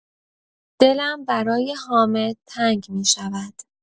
دلم برا حامد تنگ می‌شود!